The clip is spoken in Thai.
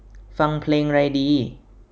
ฟังเพลงไรดี